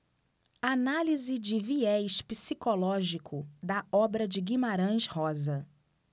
análise de viés psicológico da obra de guimarães rosa